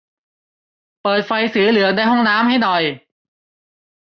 เปิดไฟสีเหลืองในห้องน้ำให้หน่อย